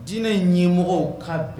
Diinɛ in ɲɛ mɔgɔw ka bɛn